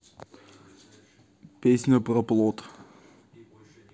песня про плот